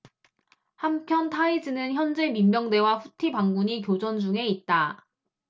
한편 타이즈는 현재 민병대와 후티 반군이 교전 중에 있다